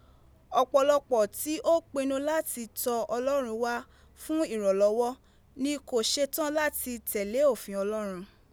Opolopo ti o pinnu lati to Olorun wa fun iranlowo, ni ko setan lati tele ofin Olorun.